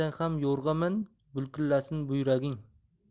yo'rg'a min bulkillasin buyraging